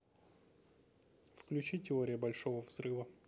включи теория большого взрыва